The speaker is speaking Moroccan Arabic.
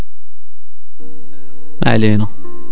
علينا